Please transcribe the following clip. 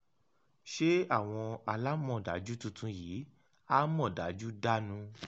Ṣé àwọn alámọ̀dájú tuntun yìí á mọ̀ dájú dánu?